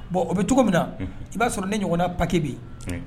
Bon o bɛ cogo min na i b'a sɔrɔ ne ɲɔgɔnna paki bɛ yen